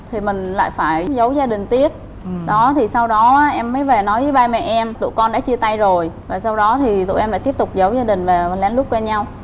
thì mình lại phải giấu gia đình tiếp đó thì sau đó em mới về nói ba mẹ em tụi con đã chia tay rồi và sau đó thì tụi em lại tiếp tục giấu gia đình và lén lút quen nhau